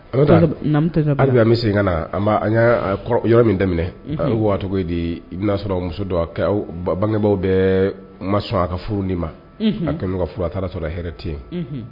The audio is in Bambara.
A bɛ hali an bɛ se ka na an y'a yɔrɔ min daminɛ wa ye di i bɛna sɔrɔ muso don bangebaw bɛ ma sɔn a ka furu ni ma a ka furu a taara sɔrɔ hɛrɛ ten